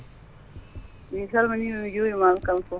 mi salminiɓe mi juurimaɓe kamɓe foof